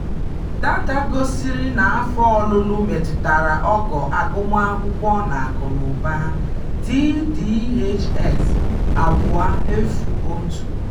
Data gosiri na afọ ọlụlụ metụtara ógó agụmakwụkwọ na akụnaụba (TDHS 201).